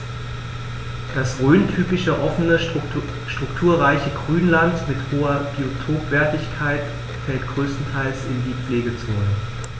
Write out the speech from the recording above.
Das rhöntypische offene, strukturreiche Grünland mit hoher Biotopwertigkeit fällt größtenteils in die Pflegezone.